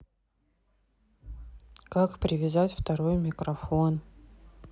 как привязать второй микрофон